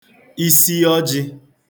isiọjị̄